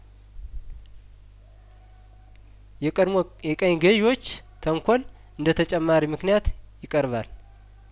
የቀድሞ የቀኝ ገዥዎች ተንኮል እንደተጨማሪ ምክንያት ይቀርባል